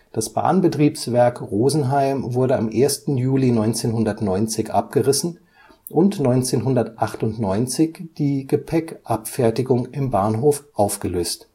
Das Bahnbetriebswerk Rosenheim wurde am 1. Juli 1990 abgerissen und 1998 die Gepäckabfertigung im Bahnhof aufgelöst